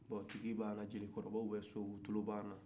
bon tigi b'a na jeli kɔrɔbaw bɛ so u tolo b'a na